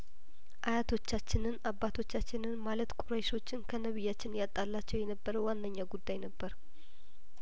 አያቶቻችንን አባቶቻችንን ማለት ቁረይሾችን ከነቢያችን ያጣላቸው የነበረ ዋንኛ ጉዳይነበር